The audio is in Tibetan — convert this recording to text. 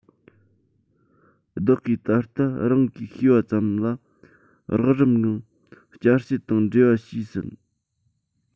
བདག གིས ད ལྟ རང གིས ཤེས པ ཙམ ལ རགས རིམ ངང བསྐྱར བཤད དང འགྲེལ བ བྱས ཟིན